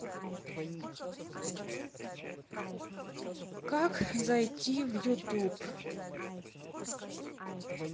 как зайти в ютуб